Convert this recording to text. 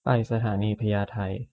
ไปสถานีพญาไท